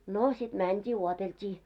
no sitten mentiin odoteltiin